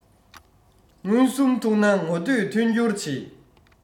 མངོན སུམ ཐུག ན ངོ བསྟོད མཐུན འགྱུར བྱེད